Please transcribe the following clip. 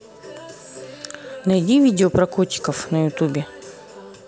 найди видео про котиков на ютубе